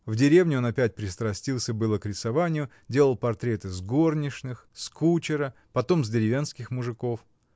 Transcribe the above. В деревне он опять пристрастился было к рисованию, делал портреты с горничных, с кучера, потом с деревенских мужиков.